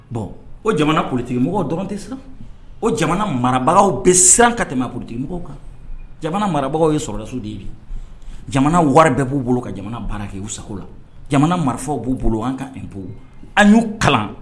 Bɔn o jamana kulutigimɔgɔ dɔrɔnte siran o jamana marabagaw bɛ siran ka tɛmɛ kulutigimɔgɔ kan jamana marabagaw ye sɔrɔdaso de bi jamana wara bɛɛ b'u bolo ka jamana baara kɛ u sago la jamana maraw b'u bolo an ka bolo ani'u kalan